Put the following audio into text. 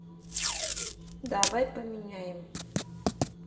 давай поменяем